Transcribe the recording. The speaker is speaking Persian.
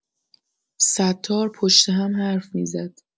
ستار پشت هم حرف می‌زد.